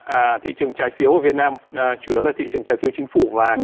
à thị trường trái phiếu ở việt nam à chủ yếu là thị trường trái phiếu chính phủ và